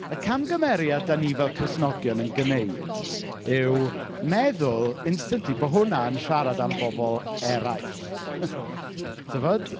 Y camgymeriad dan ni fel Cristnogion yn gwneud yw meddwl instantly bod hwnna'n siarad am bobl eraill tibod.